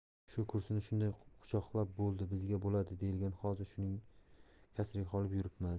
shu kursini shunday quchoqlab bo'ldi bizga bo'ladi deyilgan hozir shuning kasriga qolib yuribmiz